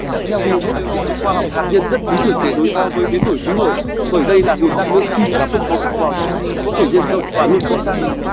theo bill gates khoa học hạt nhân rất lý tưởng để đối phó với biến đổi khí hậu bởi đây là nguồn năng lượng duy nhất không có carbon có thể nhân rộng và luôn có sẵn